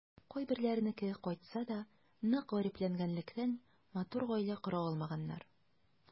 Кайберләренеке кайтса да, нык гарипләнгәнлектән, матур гаилә кора алмаганнар.